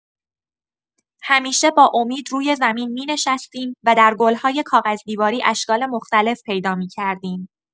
همیشه با امید روی زمین می‌نشستیم و در گل‌های کاغذدیواری اشکال مختلف پیدا می‌کردیم.